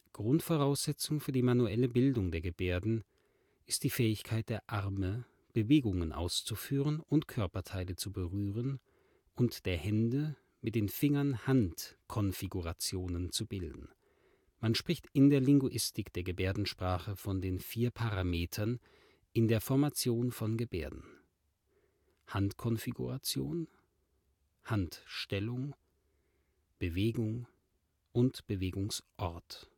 Grundvoraussetzung für die manuelle Bildung der Gebärden ist die Fähigkeit der Arme, Bewegungen auszuführen und Körperteile zu berühren, und der Hände, mit den Fingern Handkonfigurationen zu bilden. Man spricht in der Linguistik der Gebärdensprache von den vier Parametern in der Formation von Gebärden: Handkonfiguration, Handstellung, Bewegung und Bewegungsort